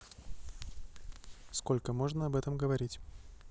сколько можно об этом говорить